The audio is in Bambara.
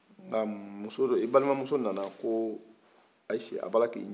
nga muso dɔ i balimanmuso ana ko ayise a b'a la k'i ɲini